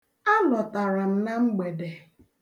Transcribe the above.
A lọtara m na mgbede.